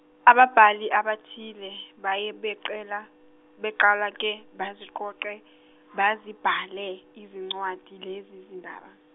ababhali abathile baye beqela, beqale ke baziqoqe bazibhale ezincwadini lezi zindaba.